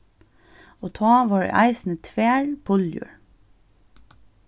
og tá vóru eisini tvær puljur